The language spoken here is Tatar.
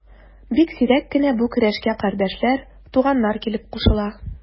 Бик сирәк кенә бу көрәшкә кардәшләр, туганнар килеп кушыла.